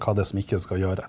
hva er det som ikke skal gjøre?